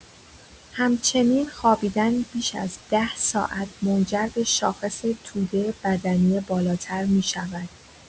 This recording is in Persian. همچنین خوابیدن بیش از ۱۰ ساعت منجر به شاخص توده بدنی بالاتر می‌شود.